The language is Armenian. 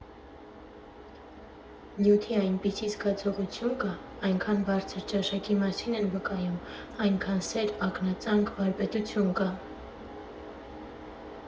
Նյութի այնպիսի զգացողություն կա, այնքան բարձր ճաշակի մասին են վկայում, այնքան սեր, ակնածանք, վարպետություն կա…